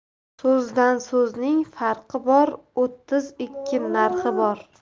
so'zdan so'zning farqi bor o'ttiz ikki narxi bor